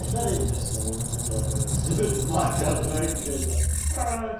Ella'r un person yna ella bo' yn blackout drunk a jyst a aargh.